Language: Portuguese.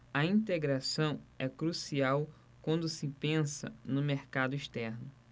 a integração é crucial quando se pensa no mercado externo